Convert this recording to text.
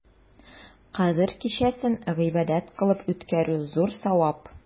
Кадер кичәсен гыйбадәт кылып үткәрү зур савап.